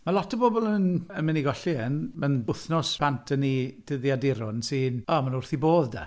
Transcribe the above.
Ma' lot o bobl yn yn mynd i golli hyn, mae'n wythnos bant yn eu dyddiaduron sy'n… o, maen nhw wrth eu bodd 'da.